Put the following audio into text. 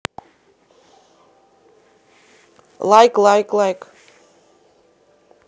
лайк лайк лайк